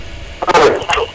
a